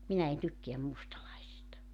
minä en tykkää mustalaisista